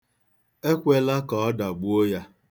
Ekwela ka ọ dagbuo ya.